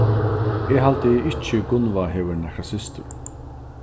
eg haldi ikki gunnvá hevur nakra systur